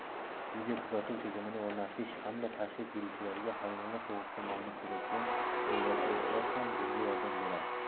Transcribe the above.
videokuzatuv tizimini o'rnatish hamda tashrif buyuruvchilarga hayvonlar to'g'risida ma'lumot beradigan yo'lboshlovchilar ham bunga yordam beradi